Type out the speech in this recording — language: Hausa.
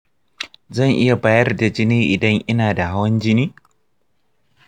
zan iya bayar da jini idan ina da hawan jini?